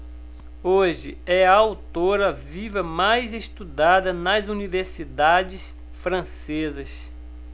hoje é a autora viva mais estudada nas universidades francesas